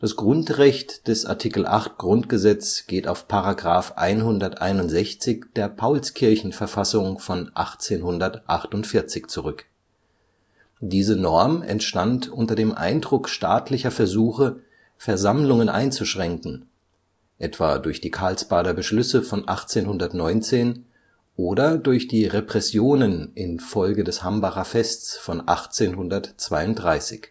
Grundrecht des Artikel 8 GG geht auf § 161 der Paulskirchenverfassung von 1848 zurück. Diese Norm entstand unter dem Eindruck staatlicher Versuche, Versammlungen einzuschränken, etwa durch die Karlsbader Beschlüsse von 1819 oder durch die Repressionen in Folge des Hambacher Fests von 1832